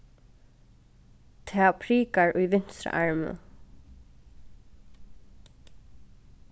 tað prikar í vinstra arminum